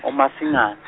uMasingane.